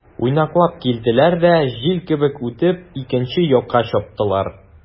Уйнаклап килделәр дә, җил кебек үтеп, икенче якка чаптылар.